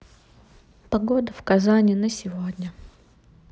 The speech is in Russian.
погода в казани на сегодня